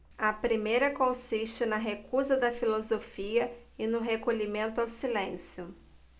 a primeira consiste na recusa da filosofia e no recolhimento ao silêncio